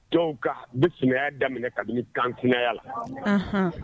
Dɔw bi sumayaya daminɛ kabini kan fya la